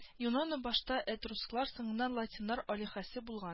Юнона башта этрусклар соңыннан латиннар алиһәсе булган